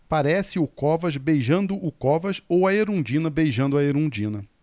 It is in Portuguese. parece o covas beijando o covas ou a erundina beijando a erundina